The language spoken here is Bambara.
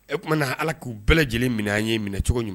O tumana ala k'u bɛɛ lajɛlen minɛn an ye minɛ cogo ɲuman